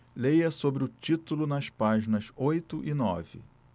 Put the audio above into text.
leia sobre o título nas páginas oito e nove